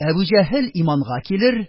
Әбүҗәһел иманга килер.